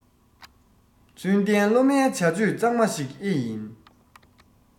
ཚུལ ལྡན སློབ མའི བྱ སྤྱོད གཙང མ ཞིག ཨེ ཡིན